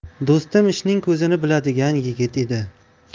do'stim ishning ko'zini biladigan yigit edi